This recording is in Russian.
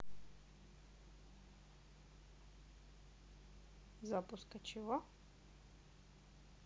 запуска чего